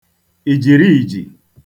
ìjìriìjì